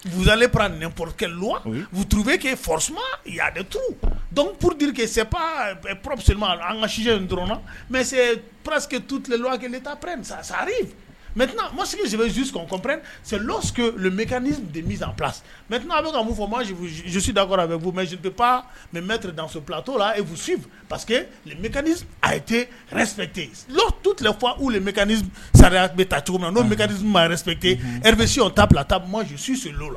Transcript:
Buzlen pa n pporo tuurube kɛ forosuma deuru porodke sep pp an ka sdi in dɔrɔn mɛ que tu taa ppɛ sa sari mɛ masisi susɔnpɛ mi p mɛt a bɛ fɔ masusi da a bɛ mɛ da t' lasu pa que te tu fɔ sa bɛ taa cogo naopte resi ta bila susi la